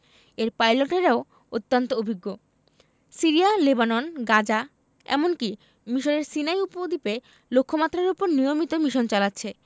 এর পাইলটেরাও অত্যন্ত অভিজ্ঞ সিরিয়া লেবানন গাজা এমনকি মিসরের সিনাই উপদ্বীপে লক্ষ্যমাত্রার ওপর নিয়মিত মিশন চালাচ্ছে